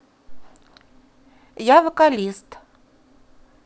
я вокалист